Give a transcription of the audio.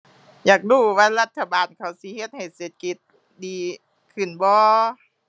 อยากรู้ว่ารัฐบาลเขาสิเฮ็ดให้เศรษฐกิจดีขึ้นบ่